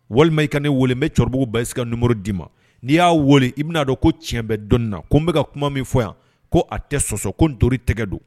Walima i ka ne wele bɛ cɛkɔrɔbabugu ba ii ka numu d'i ma n'i y'a weele i bɛna'a dɔn ko tiɲɛ bɛ dɔn na ko n bɛka ka kuma min fɔ yan ko a tɛ sɔsɔ ko nto tɛgɛ don